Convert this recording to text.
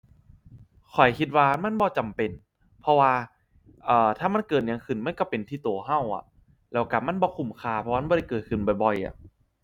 ข้อยคิดว่ามันบ่จำเป็น เพราะว่า เอ่อ ถ้ามันเกิดหยังขึ้นมันก็เป็นที่ก็ก็อะ แล้วก็มันบ่คุ้มค่า เพราะว่ามันบ่ได้เกิดขึ้นบ่อยบ่อยอะ